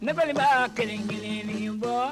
Ne Bali baa kelen kelenni bɔɔ